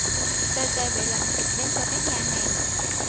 tê tê bị làm thịt bán cho các nhà hàng